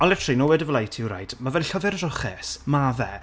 Ond literally, no word of a lie to you right? Ma' fe'n llyfr drwchus, ma' fe.